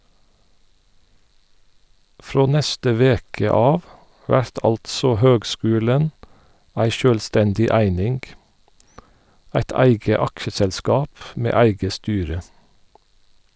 Frå neste veke av vert altså høgskulen ei sjølvstendig eining , eit eige aksjeselskap med eige styre.